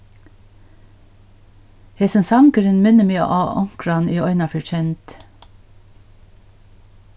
hesin sangurin minnir meg á onkran eg einaferð kendi